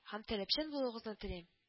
Һәм таләпчән булуыгызны телим